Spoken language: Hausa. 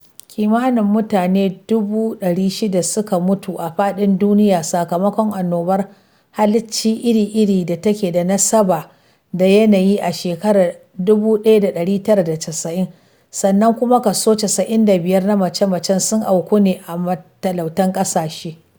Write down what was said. Kimanin mutane 600,000 suka mutu a faɗin duniya sakamakon annobar halicci iri-iri da take da nasaba da yanayi a shekarar 1990 sannan kuma kaso 95 na mace-macen sun auku ne a matalautan ƙasashe